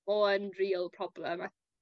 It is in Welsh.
o yn real problem a